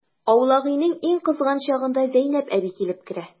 Аулак өйнең иң кызган чагында Зәйнәп әби килеп керә.